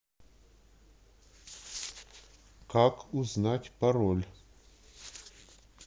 как узнать пароль